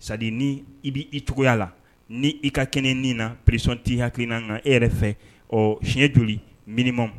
'Ça dire n'i bɛ i cogoya la ni i ka kɛnɛ i nin na préssion _ tɛ i kan inhakilinana e yɛrɛ fɛ ɔ siɲɛ joli minimum ?